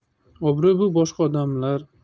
obro' bu boshqa odamlar